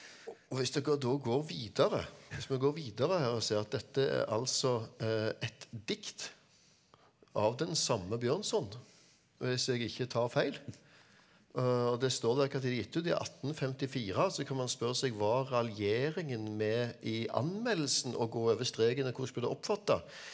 og hvis dere da går videre hvis vi går videre her og ser at dette er altså et dikt av den samme Bjørnson hvis jeg ikke tar feil og der står det hvilken tid det er gitt ut i 1854 så kan man spørre seg var raljeringen med i anmeldelsen og gå over streken eller hvordan skulle du oppfatte han?